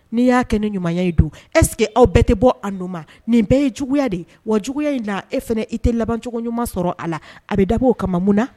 N'i y'a kɛ ni ɲumanya ye dun est ce que aw bɛɛ te bɔ a nu ma nin bɛɛ ye juguya de ye wa juguya in na e fɛnɛ i te labancogo ɲuman sɔrɔ a la a be dabo o kama mun na